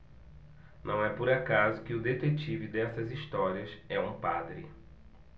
não é por acaso que o detetive dessas histórias é um padre